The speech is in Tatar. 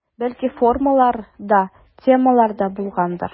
Бәлки формалар да, темалар да булгандыр.